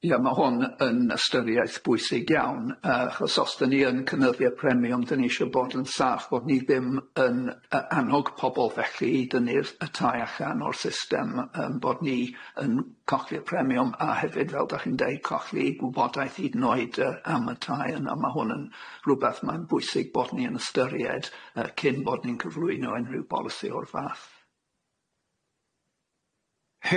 Ie ma' hwn yn ystyriaeth bwysig iawn yy achos os 'dyn ni yn cynyddu y premiwm 'dyn ni isho bod yn saff bod ni ddim yn yy annog pobol felly i dynnu'r y tai allan o'r system yym bod ni yn colli'r premiwm a hefyd fel dach chi'n deud colli gwybodaeth hyd yn oed yy am y tai yna ma' hwn yn rwbath ma'n bwysig bod ni yn ystyried yy cyn bod ni'n cyflwyno unrhyw bolisi o'r fath.